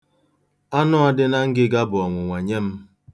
Anụ a dị na ngịga bụ ọnwụnwa nye m.